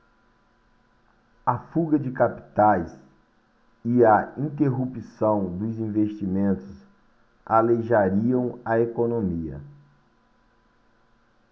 a fuga de capitais e a interrupção dos investimentos aleijariam a economia